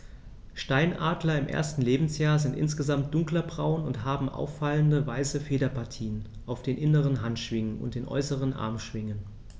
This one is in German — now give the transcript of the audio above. Steinadler im ersten Lebensjahr sind insgesamt dunkler braun und haben auffallende, weiße Federpartien auf den inneren Handschwingen und den äußeren Armschwingen.